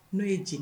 N'o ye j